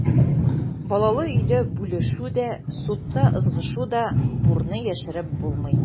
Балалы өйдә бүлешү дә, судта ызгышу да, бурны яшереп булмый.